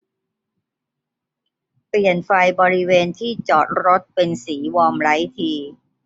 เปลี่ยนไฟบริเวณที่จอดรถเป็นสีวอร์มไลท์ที